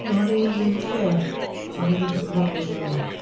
Mae 'na rhyw un lle o'n i ddim yn gyfarwydd efo fo.